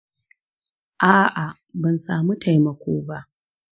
a'a, ban samu taimako ba.